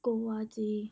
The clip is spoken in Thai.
โกวาจี